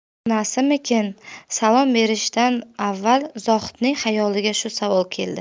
onasimikin salom berishdan avval zohidning xayoliga shu savol keldi